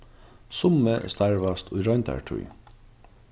summi starvast í royndartíð